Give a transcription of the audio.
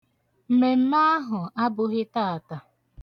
Mmemme ahụ abụghị taata.